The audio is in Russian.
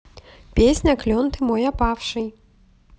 песня клен ты мой опавший